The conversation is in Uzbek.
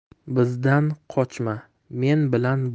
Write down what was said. bizdan qochma men bilan